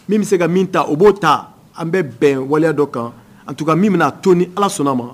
Min bɛ se ka min ta o b'o ta an bɛ bɛn waleya dɔ kan an tun ka min bɛ a toon ni ala sɔnna ma